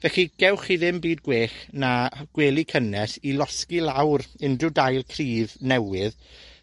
Felly, gewch chi ddim byd gwell na hy- gwely cynnes i losgi lawr unryw dail cryf newydd,